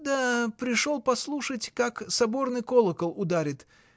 — Да. пришел послушать, как соборный колокол ударит.